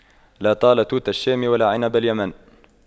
لا طال توت الشام ولا عنب اليمن